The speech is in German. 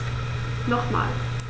Nochmal.